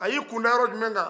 a y' a kun da ɲɔrɔ jumɛ kan